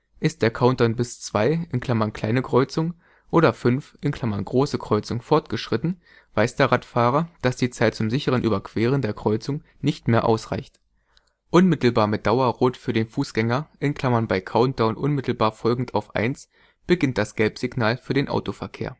Ist der Countdown bis 2 (kleine Kreuzung) oder 5 (große Kreuzung) fortgeschritten, weiß der Radfahrer, dass die Zeit zum sicheren Überqueren der Kreuzung nicht mehr ausreicht. Unmittelbar mit Dauerrot für den Fußgänger (bei Countdown unmittelbar folgend auf „ 1 “) beginnt das Gelbsignal für den Autoverkehr